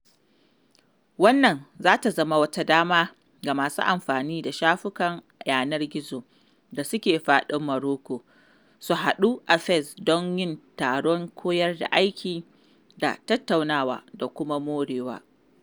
Wannan za ta zama wata dama ga masu amfani da shafukan yanar gizo da suke faɗin Morocco, su haɗu a Fez domin yin taron koyar aiki da tattaunawa da kuma morewa.